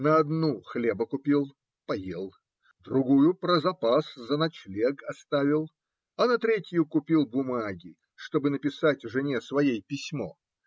на одну хлеба купил, поел, другую про запас на ночлег оставил, а на третью купил бумаги, чтобы написать жене своей письмо.